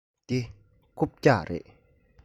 འདི རྐུབ བཀྱག རེད